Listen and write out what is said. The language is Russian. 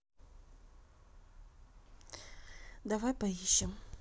давай поищем